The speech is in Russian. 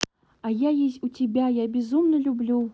а я есть у тебя я безумно люблю